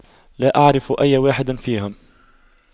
لا أعرف أي واحد فيهم